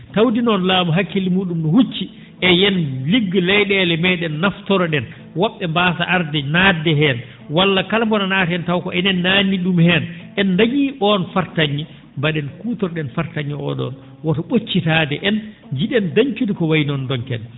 tawde noon laamu hakkille mu?um ne hucci e yo en liggo ley?eele me?en naftoro ?en wo??e mbaasa arde naatde heen walla kala mo no naata heen taw ko enen naatni ?um heen en dañii oon farta?nge mba?en kutoro?en farta?nge oo ?oon wata ?occitaade en nji?en dañcude ko wayi noon ndonken